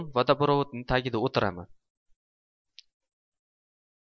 vodoprovodning tagiga o'tiraman